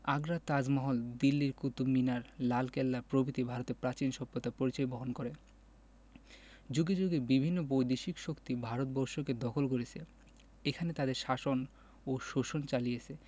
আগ্রার তাজমহল দিল্লির কুতুব মিনার লালকেল্লা প্রভৃতি ভারতের প্রাচীন সভ্যতার পরিচয় বহন করে যুগে যুগে বিভিন্ন বৈদেশিক শক্তি ভারতবর্ষকে দখল করেছে এখানে তাদের শাসন ও শোষণ চালিয়েছে